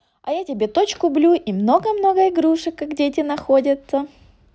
а я тебе точку блю и много много игрушек как дети находятся